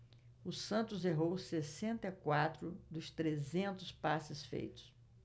o santos errou sessenta e quatro dos trezentos passes feitos